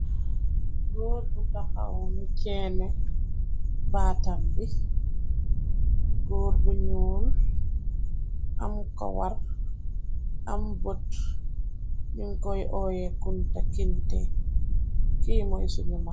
Góor bu taxaw mi chenne baatam bi góor bu ñuul am ko war am bot niñ koy ooye kunta kinte ki moy suñu mak.